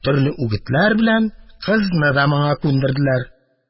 Төрле үгетләр белән кызны да моңа күндерделәр.